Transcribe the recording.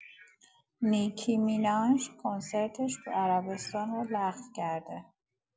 نیکی میناژ کنسرتش تو عربستان رو لغو کرده.